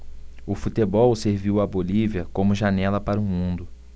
o futebol serviu à bolívia como janela para o mundo